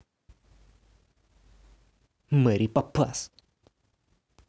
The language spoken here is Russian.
мэри попас